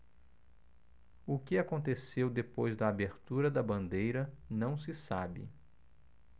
o que aconteceu depois da abertura da bandeira não se sabe